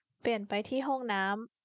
เปลี่ยนไปที่ห้องน้ำ